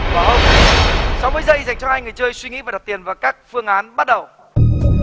sáu mươi giây dành cho hai người chơi suy nghĩ và đặt tiền vào các phương án bắt đầu